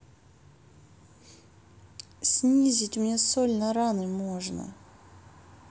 снизить мне соль на раны можно